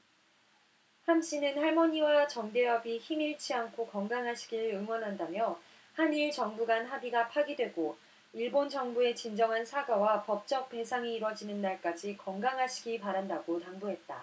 함씨는 할머니들과 정대협이 힘 잃지 않고 건강하시길 응원한다며 한일 정부 간 합의가 파기되고 일본 정부의 진정한 사과와 법적 배상이 이뤄지는 날까지 건강하시기 바란다고 당부했다